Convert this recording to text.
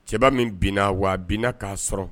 Cɛ min bin wa bina k'a sɔrɔ